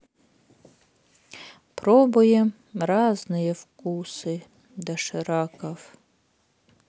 пробуем разные вкусы дошираков